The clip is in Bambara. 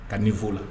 Ka ni fɔ la